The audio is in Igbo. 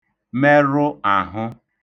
merụ àḣụ